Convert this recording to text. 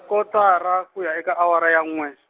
kotara kuya eka awara ya n'we.